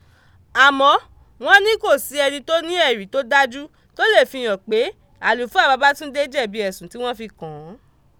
Àmọ́ wọ́n ní kò sí ẹni tó ní ẹ̀rí tó dájú tó lè fihàn pé àlùfáà Babátúndé jẹ̀bi ẹ̀sùn tí wọ́n fi kàn án.